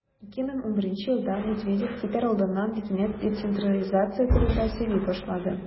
2011 елда медведев китәр алдыннан кинәт децентрализация турында сөйли башлады.